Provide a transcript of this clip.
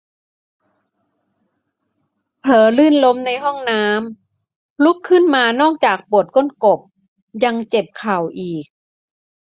เผลอลื่นล้มในห้องน้ำลุกขึ้นมานอกจากปวดก้นกบยังเจ็บเข่าอีก